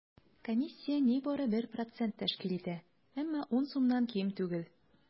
Комиссия нибары 1 процент тәшкил итә, әмма 10 сумнан ким түгел.